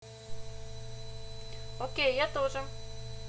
окей я тоже